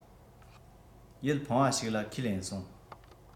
ཡིད ཕངས བ ཞིག ལ ཁས ལེན སོང